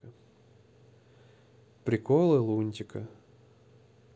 приколы лунтика